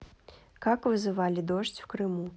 как вызывали дождь в крыму